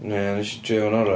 Ie, wnes i drio'n orau.